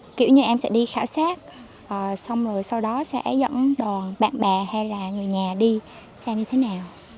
kiểu như em sẽ đi khảo sát họ xong rồi sau đó sẽ dẫn đoàn bạn bè hay là người nhà đi xem như thế nào